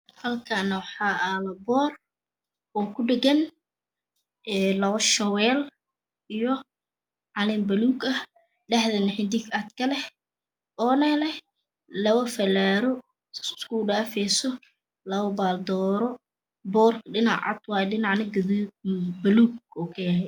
Halkane wax aalo boor oo ku dhagan een labo shabel iyo caleen baluug ah dhaxdane xidig cad ka leh oo leh leh labo falaaro saaas iskugu dhafeso labo Baal doro boorka dhinac cad waye dhinacne baluug ayu ka yahy